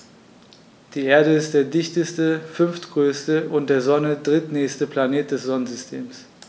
Die Erde ist der dichteste, fünftgrößte und der Sonne drittnächste Planet des Sonnensystems.